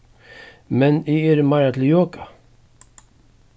men eg eri meira til joga